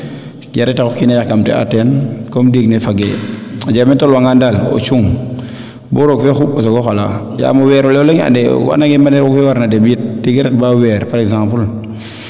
jare tax o kiina yaam ti'aa teen comme nbiing ne fage a jega me tolwa ngaan daal o cung bo roog fe xuɓ o soogo xalaa yaa m wero le o leŋ andee o anange mbane roog fee warna dembit tige ret ba weer par exemple